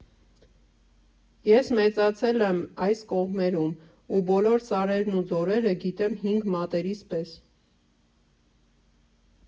Ես մեծացել եմ այս կողմերում ու բոլոր սարերն ու ձորերը գիտեմ հինգ մատներիս պես։